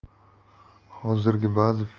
hozirgi ba'zi filmlarni ko'rishadi da